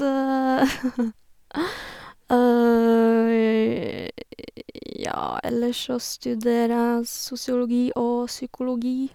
Ja, ellers så studerer jeg sosiologi og psykologi.